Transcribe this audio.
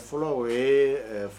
Fɔlɔ ye